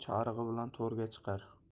chorig'i bilan to'rga chiqar